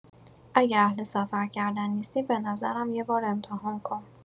اگه اهل سفر کردن نیستی، به نظرم یه بار امتحان کن.